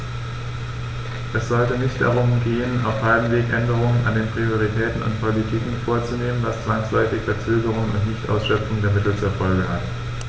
Es sollte nicht darum gehen, auf halbem Wege Änderungen an den Prioritäten und Politiken vorzunehmen, was zwangsläufig Verzögerungen und Nichtausschöpfung der Mittel zur Folge hat.